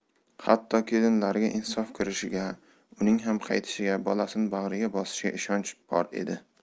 hatto kelinlariga insof kirishiga uning ham qaytishiga bolasini bag'riga bosishiga ishonch bor edi